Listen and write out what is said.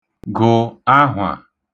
gụ ahwà